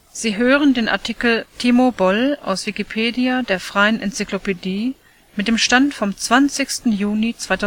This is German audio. Sie hören den Artikel Timo Boll, aus Wikipedia, der freien Enzyklopädie. Mit dem Stand vom